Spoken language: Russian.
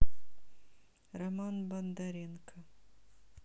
роман бондаренко